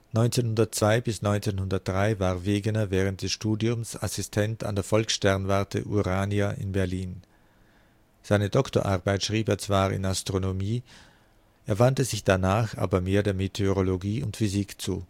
1902 bis 1903 war Wegener während des Studiums Assistent an der Volkssternwarte Urania in Berlin. Seine Doktorarbeit schrieb er zwar in Astronomie, er wandte sich danach aber mehr der Meteorologie und Physik zu